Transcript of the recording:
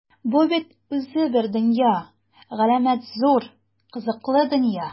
Бу бит үзе бер дөнья - галәмәт зур, кызыклы дөнья!